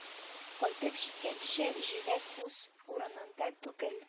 Кайтып җиткәнче җөрәк үз урынында түгел